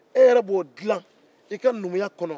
e yɛrɛ b'o dila i ka numuya kɔnɔ